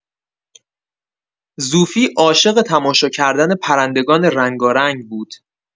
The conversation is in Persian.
زوفی عاشق تماشا کردن پرندگان رنگارنگ بود.